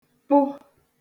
kpụ